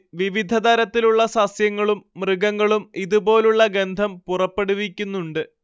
വിവിധതരത്തിലുള്ള സസ്യങ്ങളും മൃഗങ്ങളും ഇതു പോലുള്ള ഗന്ധം പുറപ്പെടുവിക്കുന്നുണ്ട്